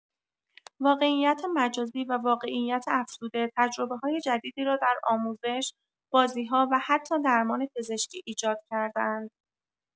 واقعیت مجازی و واقعیت افزوده، تجربه‌های جدیدی را در آموزش، بازی‌ها و حتی درمان پزشکی ایجاد کرده‌اند.